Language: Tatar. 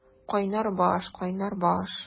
Кайнар баш, кайнар баш!